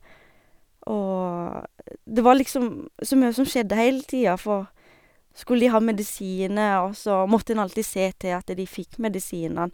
Og det var liksom så mye som skjedde heile tida, for skulle de ha medisiner, og så måtte en alltid se til at de fikk medisinene.